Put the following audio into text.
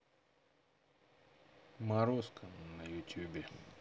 морозко на ютубе